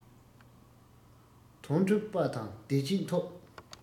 དོན གྲུབ པ དང བདེ སྐྱིད འཐོབ